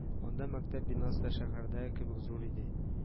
Анда мәктәп бинасы да шәһәрдә кебек зур ди